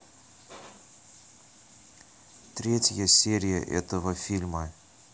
третья серия этого фильма